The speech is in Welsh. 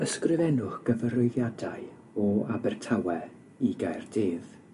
Ysgrifennwch gyfarwyddiadau o Abertawe i Gaerdydd.